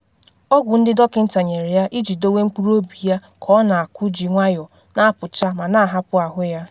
Ọgwụ ndị dọkịnta nyere ya iji dowe mkpụrụobi ya ka ọ na akụ ji nwayọ na apụcha ma na ahapụ ahụ ya.